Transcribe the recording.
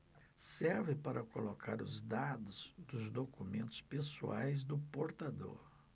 serve para colocar os dados dos documentos pessoais do portador